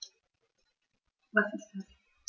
Was ist das?